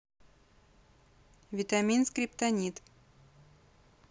витамин скриптонит